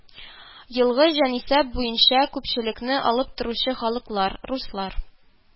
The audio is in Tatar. Елгы җанисәп буенча күпчелекне алып торучы халыклар: руслар